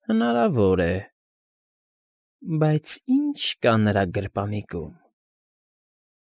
Հնարավոր է։ Բայց ինչ֊չ֊չ կա նրա գրպանիկում։